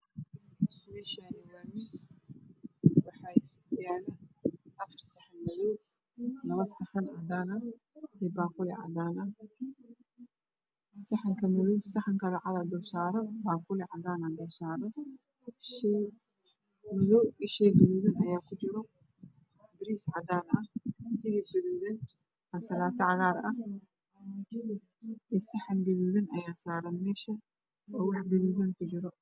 Meeshaan waa miis waxaa yaalo afar saxan madow labo saxan cadaan ah iyo baaquli cadaan ah saxan madow saxan kale ayaa dulsaaran baaquli cadaan ah ayaa dulsaaran. Shay madow iyo shay gaduudan ayaa kujiro. Bariis, hilib gaduudan, ansalaato cagaaran iyo saxan gaduudan oo wax gaduudan kujiraan ayaa saaran meesha.